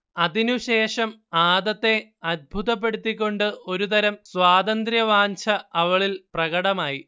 അതിനു ശേഷം ആദത്തെ അത്ഭുതപ്പെടുത്തിക്കൊണ്ട് ഒരു തരം സ്വാതന്ത്രവാച്ഛ അവളിൽ പ്രകടമായി